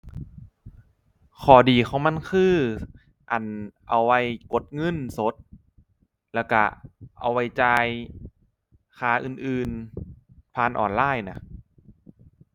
ข้อดีของมันคือ อั่น เอาไว้กดเงินสดและก็เอาไว้จ่ายค่าอื่นอื่นผ่านออนไลน์น่ะ